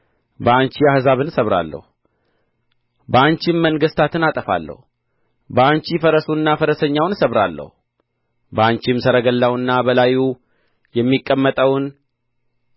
በአንቺ አሕዛብን እሰባብራለሁ በአንቺም መንግሥታትን አጠፋለሁ በአንቺ ፈረሱንና ፈረሰኛውን እሰባብራለሁ በአንቺም ሰረገላውንና በላዩ የሚቀመጠውን